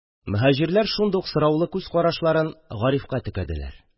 Моһаҗирлар шундук сораулы күз карашларын гарифка текәделәр.